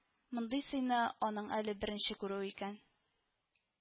Мондый сыйны аның әле беренче күрүе икән